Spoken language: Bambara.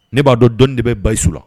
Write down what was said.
Ne b'a dɔn de bɛ basi su la